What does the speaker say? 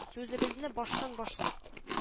Сүзебезне баштан башлыйк